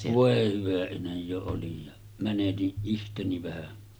voi hyvä ihme jo olin ja menetin itseni vähän